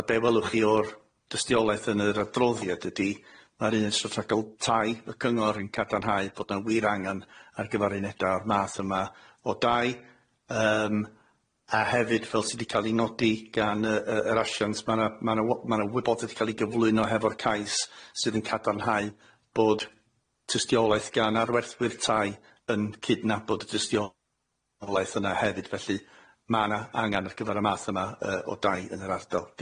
A be' welwch chi o'r dystiolaeth yn yr adroddiad ydi ma'r un stryffagl- tai y cyngor yn cadarnhau bod na'n wir angan ar gyfar uneda o'r math yma o dai yym a hefyd fel sy' di ca'l i ngodi gan yy yy yr asiant ma' na ma' na w- ma' na wybodaeth i ca'l i gyflwyno hefo'r cais sydd yn cadarnhau bod tystiolaeth gan arwerthwyr tai yn cydnabod y dystiolaeth yna hefyd felly ma' na angan at gyfar y math yma yy o dai yn yr ardal. Diolch.